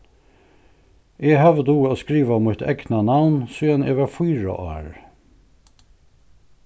eg havi dugað at skrivað mítt egna navn síðan eg var fýra ár